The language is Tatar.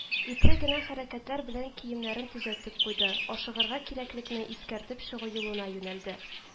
Ипле генә хәрәкәтләр белән киемнәрен төзәтеп куйды, ашыгырга кирәклекне искәртеп чыгу юлына юнәлде